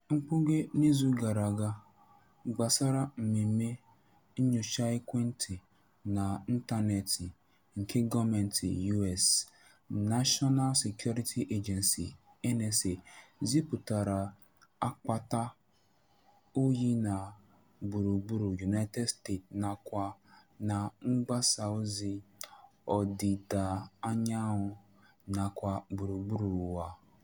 Mkpughe n'izu gara aga gbasara mmemme nnyocha ekwentị na ịntanetị nke gọọmentị US National Security Agency (NSA) zipụrụ akpata oyi na gburugburu United States nakwa na mgbasaozi ọdịdaanyanwụ, nakwa gburugburu ụwa.